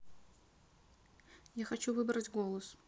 я хочу выбрать голос